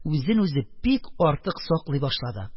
Үзен-үзе бик артык саклый башлады..